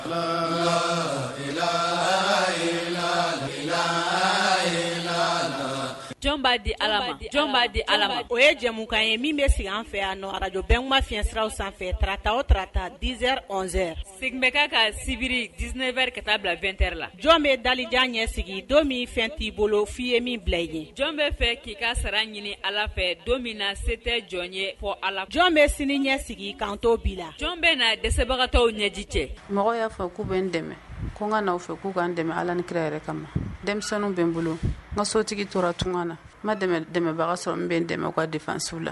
'a di ala jɔn'a di ala o ye jamumukan ye min bɛ sigi an fɛ a araj bɛɛ ma fi siraw sanfɛ tata o tata dizz segin bɛ ka ka sibiri dse wɛrɛri ka taa bila2tɛ la jɔn bɛ dajan ɲɛsigi don min fɛn t'i bolo f'i ye min bila i ye jɔn bɛ fɛ k'i ka sara ɲini ala fɛ don min na se tɛ jɔn ye fɔ a jɔn bɛ sini ɲɛ sigi kan tɔw bi la jɔn bɛ na dɛsɛbagatɔ ɲɛji cɛ mɔgɔ y'a fɔ k' bɛ n dɛmɛ kokan fɛ k'u kan dɛmɛ ala ni kira yɛrɛ kama denmisɛnninw bɛ n bolo n ka sotigi tora tun na n ma dɛmɛbaga sɔrɔ bɛ n dɛmɛ ka desiww la